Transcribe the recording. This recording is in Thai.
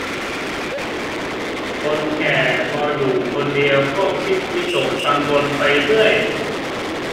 คนแก่พออยู่คนเดียวก็คิดวิตกกังวลไปเรื่อย